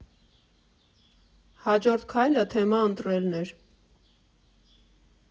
Հաջորդ քայլը թեմա ընտրելն էր։